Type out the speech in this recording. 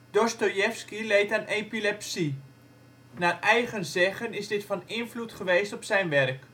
Dostojevski leed aan epilepsie. Naar eigen zeggen is dit van invloed geweest op zijn werk